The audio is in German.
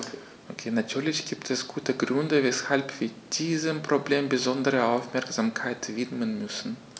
Natürlich gibt es gute Gründe, weshalb wir diesem Problem besondere Aufmerksamkeit widmen müssen.